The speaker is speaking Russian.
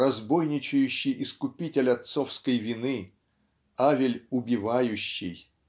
разбойничающий искупитель отцовской вины Авель убивающий